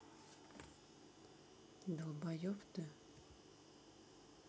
долбоеб ты